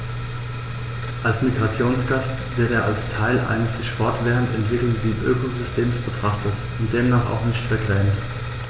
Als Migrationsgast wird er als Teil eines sich fortwährend entwickelnden Ökosystems betrachtet und demnach auch nicht vergrämt.